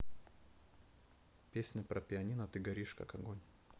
песня про пианино ты горишь как огонь